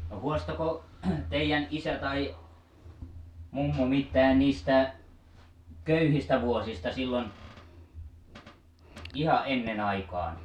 no haastoiko teidän isä tai mummo mitään niistä köyhistä vuosista silloin ihan ennen aikaan